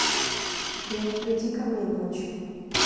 блять приди ко мне ночью